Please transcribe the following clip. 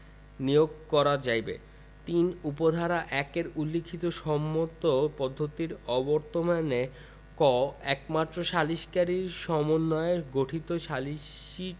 নিয়োগ করা যাইবে ৩ উপ ধারা ১ এ উল্লেখিত সম্মত পদ্ধতির অবর্তমানে ক একমাত্র সালিকসারীর সমন্বয়ে গঠিত সালিসী